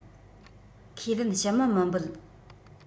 ཁས ལེན ཕྱི མི མི འབོད